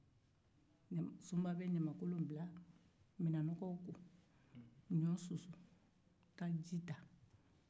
sunba be ɲamankolon bila ka minɛn nɔgɔw ko ɲɔ susu ji ta